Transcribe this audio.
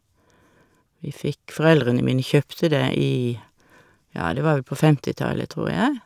vi fikk Foreldrene mine kjøpte det i, ja, det var vel på femtitallet, tror jeg.